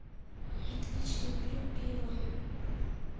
отлично пиво пью